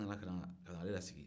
an nana ka n'ale la sigi